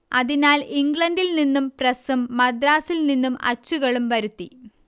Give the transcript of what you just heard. അതിനാൽ ഇംഗ്ലണ്ടിൽ നിന്നും പ്രസ്സും മദ്രാസിൽ നിന്നും അച്ചുകളും വരുത്തി